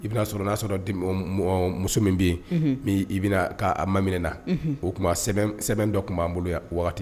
I bɛna sɔrɔ n y'a sɔrɔ di muso min bɛ yen min i bɛna k'a ma minɛna o tuma sɛbɛn dɔ tun b'an bolo yan waati